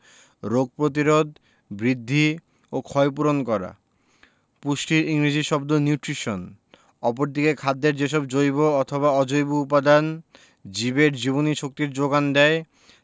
রোগ প্রতিরোধ বৃদ্ধি ও ক্ষয়পূরণ করা পুষ্টির ইংরেজি শব্দ নিউট্রিশন অপরদিকে খাদ্যের যেসব জৈব অথবা অজৈব উপাদান জীবের জীবনীশক্তির যোগান দেয়